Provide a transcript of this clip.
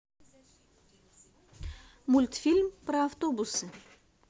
мультфильм про автобусы